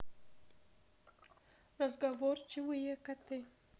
разговорчивые коты